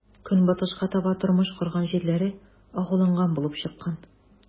Көнбатышка таба тормыш корган җирләре агуланган булып чыккан.